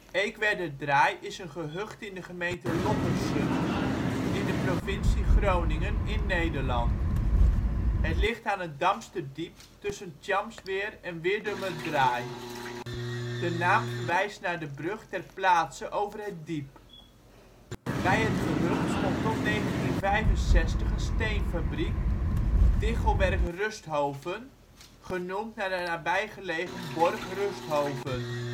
Eekwerderdraai is een gehucht in de gemeente Loppersum in de provincie Groningen in Nederland. Het ligt aan het Damsterdiep tussen Tjamsweer en Wirdumerdraai. De naam verwijst naar de brug ter plaatse over het diep. Bij het gehucht stond tot 1965 een steenfabriek, Tichelwerk Rusthoven, genoemd naar de nabijgelegen borg Rusthoven